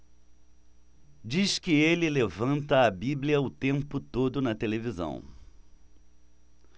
diz que ele levanta a bíblia o tempo todo na televisão